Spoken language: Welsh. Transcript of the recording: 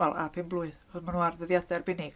Wel, a pen-blwydd, achos ma' nw ar ddyddiadau arbennig.